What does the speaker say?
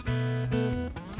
mình